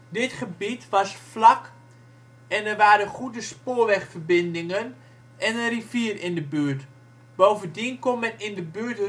Dit gebied was vlak en er waren goede spoorwegverbindingen en een rivier in de buurt. Bovendien kon men in de buurt